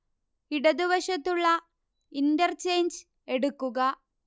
ഇടതുവശത്തുള്ള ഇന്റർചെയ്ഞ്ച് എടുക്കുക